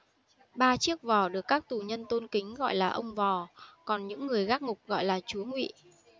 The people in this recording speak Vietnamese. ba chiếc vò được các tù nhân tôn kính gọi là ông vò còn những người gác ngục gọi là chúa ngụy